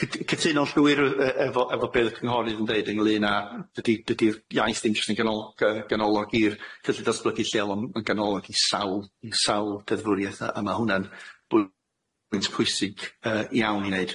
Cyt- cytuno llwyr yy efo efo be' o'dd y cynghorydd yn deud ynglŷn â dydi dydi'r iaith ddim jyst yn ganol- gy- ganolog i'r cynllyn datblygu lleol on' ma'n ganolog i sawl i sawl deddfwrieth yy yma hwnna'n pwynt pwysig yy iawn i neud.